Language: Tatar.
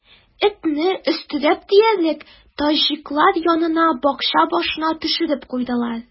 Этне, өстерәп диярлек, таҗиклар янына, бакча башына төшереп куйдылар.